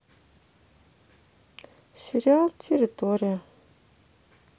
сериал территория